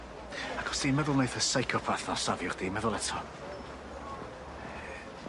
Ac os ti'n meddwl wneiff y psychopath 'na'th safio chdi meddwl eto.